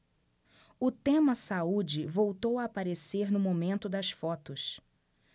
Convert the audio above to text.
o tema saúde voltou a aparecer no momento das fotos